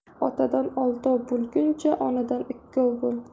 otadan oltov bo'lguncha onadan ikkov bo'l